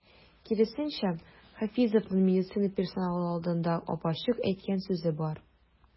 Киресенчә, Хафизовның медицина персоналы алдында ап-ачык әйткән сүзе бар.